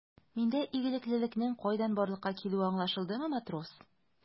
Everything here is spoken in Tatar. Миндә игелеклелекнең кайдан барлыкка килүе аңлашылдымы, матрос?